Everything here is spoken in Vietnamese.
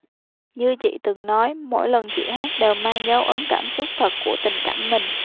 như chị từng nói mỗi lần chị hát đều mang dấu ấn cảm xúc thật của tình cảm mình